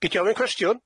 Gei di ofyn cwestiwn.